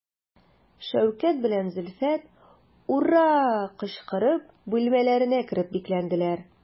Шәүкәт белән Зөлфәт «ура» кычкырып бүлмәләренә кереп бикләнделәр.